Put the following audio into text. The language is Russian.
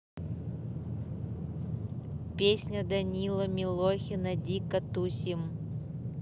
песня данила милохина дико тусим